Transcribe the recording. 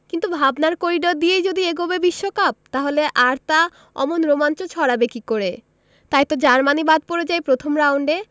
কিন্তু ভাবনার করিডর দিয়েই যদি এগোবে বিশ্বকাপ তাহলে আর তা অমন রোমাঞ্চ ছড়াবে কী করে তাইতো জার্মানি বাদ পড়ে যায় প্রথম রাউন্ডে